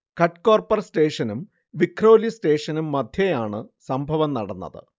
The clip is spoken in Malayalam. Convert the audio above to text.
ഘട്കോപർ സ്റ്റേഷനും വിഖ്രോലി സ്റ്റേഷനും മധ്യേയാണ് സംഭവം നടന്നത്